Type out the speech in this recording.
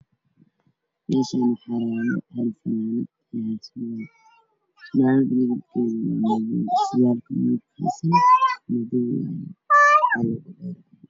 Meeshaan waxaa yaala surwaal iyo shaati midabkiisu waa cadaan surwaalka midabkiisu waa madow